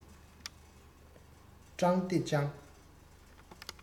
ཀྲང ཏེ ཅང